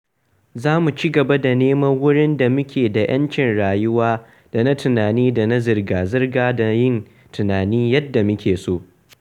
Za mu cigaba da neman wurin da muke da 'yancin rayuwa da na tunani da na zirga-zirga da yin tunani yadda muke so.